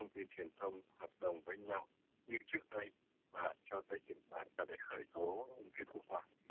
thông tin truyền thông hợp đồng với nhau như trước đây và cho đến hiện tại để khởi tố những cái hội thoại